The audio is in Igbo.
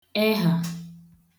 ẹhà